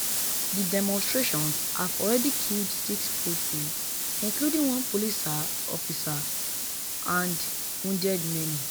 The demonstrations have already killed six people, including one police officer, and wounded many.